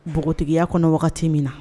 Npogotigiya kɔnɔ wagati min na